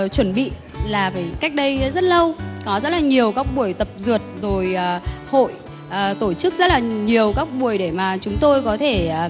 chuẩn bị là vì cách đây rất lâu có rất nhiều các buổi tập dượt rồi a hội a tổ chức rất là nhiều các buổi để mà chúng tôi có thể